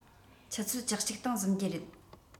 ཆུ ཚོད བཅུ གཅིག སྟེང གཟིམ གྱི རེད